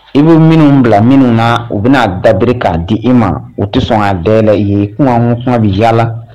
I b' minnu bila minnu na u bɛna'a dabiri k'a di i ma u tɛ sɔn ka dala ye kɔn kɔn bɛ yalala